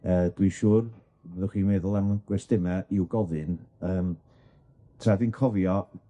Yy dwi siŵr fyddwch chi meddwl am gwestiyna' i'w gofyn, yym tra dwi'n cofio,